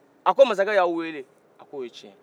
a ko masacɛ y'aw weele a k'o ye cɛn ye